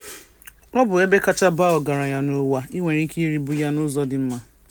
Ọ bụ ebe kacha baa ọgaranya n'ụwa. I nwere ike irigbu ya n'ụzọ dị mma.